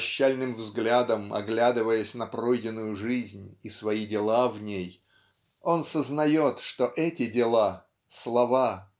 прощальным взглядом оглядываясь на пройденную жизнь и свои дела в ней он сознает что эти дела -- слова.